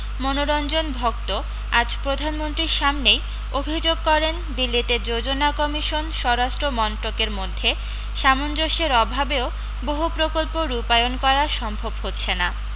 মনোরঞ্জন ভক্ত আজ প্রধানমন্ত্রীর সামনেই অভি্যোগ করেন দিল্লীতে যোজনা কমিশন স্বরাষ্ট্র মন্ত্রকের মধ্যে সামঞ্জস্যের অভাবেও বহু প্রকল্প রূপায়ণ করা সম্ভব হচ্ছে না